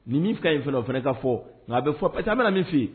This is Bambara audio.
Ni min ka ye fɛ o fana ka fɔ nka a bɛ fɔ pa a bɛ na min fɔ yen